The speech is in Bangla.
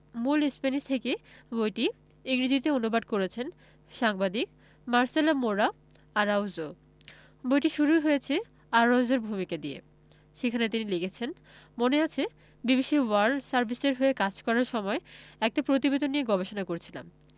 মূল স্প্যানিশ থেকে বইটি ইংরেজিতে অনু্বাদ করেছেন সাংবাদিক মার্সেলা মোরা আরাউজো বইটি শুরুই হয়েছে আরাউজোর ভূমিকা দিয়ে সেখানে তিনি লিখেছেন মনে আছে বিবিসি ওয়ার্ল্ড সার্ভিসের হয়ে কাজ করার সময় একটা প্রতিবেদন নিয়ে গবেষণা করছিলাম